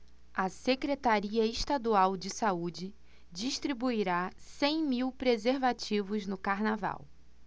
a secretaria estadual de saúde distribuirá cem mil preservativos no carnaval